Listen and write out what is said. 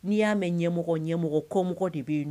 N'i y'a mɛn ɲɛmɔgɔ ɲɛmɔgɔ komɔgɔ de bɛ yen